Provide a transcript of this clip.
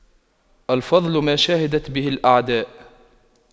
الفضل ما شهدت به الأعداء